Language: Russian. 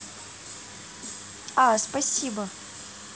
а спасибо